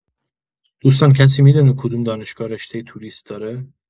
دوستان کسی می‌دونه کدوم دانشگاه رشته توریست داره؟